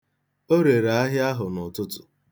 O rere ahịa ahụ n'ụtụtụ.